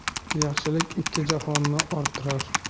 yaxshilik ikki jahonni orttirar